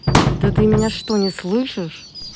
да ты что меня не слышишь